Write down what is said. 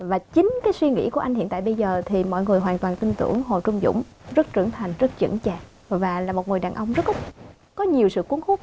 và chính cái suy nghĩ của anh hiện tại bây giờ thì mọi người hoàn toàn tin tưởng hồ trung dũng rất trưởng thành rất chững chạc và là một người đàn ông rất có nhiều sự cuốn hút